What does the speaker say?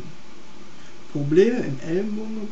Probleme im